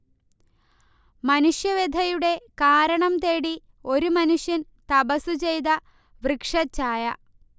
മനുഷ്യവ്യഥയുടെ കാരണംതേടി ഒരു മനുഷ്യൻ തപസ്സുചെയ്ത വൃക്ഷഛായ